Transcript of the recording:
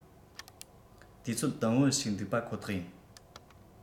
དུས ཚོད དུམ བུ ཞིག འདུག པ ཁོ ཐག ཡིན